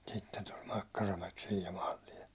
sitten tuli Makkaramäki siinä ja maantie